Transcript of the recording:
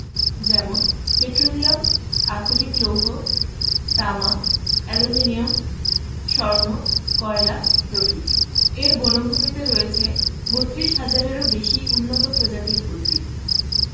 যেমন পেট্রোলিয়াম আকরিক লৌহ তামা অ্যালুমিনিয়াম স্বর্ণ কয়লা প্রভৃতি এর বনভূমিতে রয়েছে ৩২ হাজারেরও বেশি উন্নত প্রজাতির উদ্ভিদ